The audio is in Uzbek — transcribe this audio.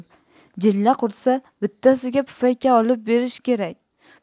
jilla qursa bittasiga pufayka olib berish kerak